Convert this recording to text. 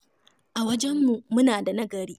A wajenmu, muna da nagari.